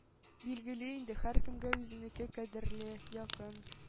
Билгеле инде, һәркемгә үзенеке кадерле, якын.